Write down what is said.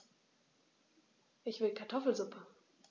Ich will Kartoffelsuppe.